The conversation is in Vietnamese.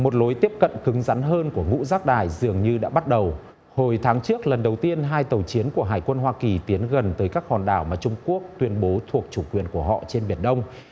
một lối tiếp cận cứng rắn hơn của ngũ giác đài dường như đã bắt đầu hồi tháng trước lần đầu tiên hai tàu chiến của hải quân hoa kỳ tiến gần tới các hòn đảo mà trung quốc tuyên bố thuộc chủ quyền của họ trên biển đông